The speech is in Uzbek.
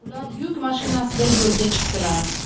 ular yuk mashinasida yo'lga chiqdilar